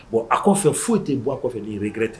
Bon a fɛ , foyi ti bɔ a kɔfɛ nin regret tɛ.